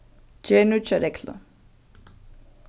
ger nýggja reglu